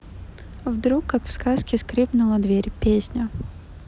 вдруг как в сказке скрипнула дверь песня